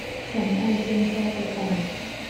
ฉันไอจนคอจะแตก